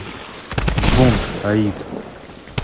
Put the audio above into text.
бомж аид